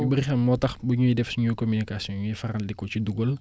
ñu bari xam moo tax bu ñuy def suñu communication ñuy faral di ko ci dugal